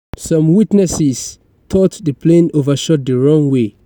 Some witnesses thought the plane overshot the runway.